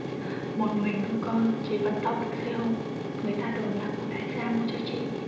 một mình nuôi con chị vẫn tậu được xế hộp người ta đồn là của đại gia mua cho chị